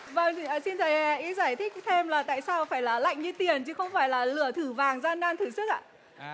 vâng xin thầy hãy giải thích thêm là tại sao phải là lạnh như tiền chứ không phải là lửa thử vàng gian nan thử sức ạ